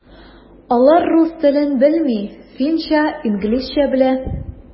Алар рус телен белми, финча, инглизчә белә.